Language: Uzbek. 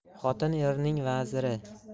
xotin erning vaziri